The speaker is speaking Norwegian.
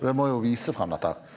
vi må jo vise fram dette her.